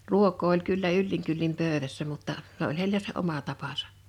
ruokaa oli kyllä yllin kyllin pöydässä mutta se oli heillä se oma tapansa